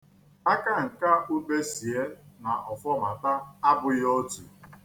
Akanka Ubesie na Ọfọmata abụghị otu.